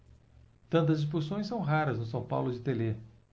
tantas expulsões são raras no são paulo de telê